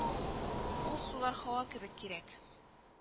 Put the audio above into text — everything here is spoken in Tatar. Ул сулар һава кебек кирәк